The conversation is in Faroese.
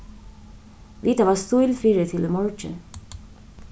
vit hava stíl fyri til í morgin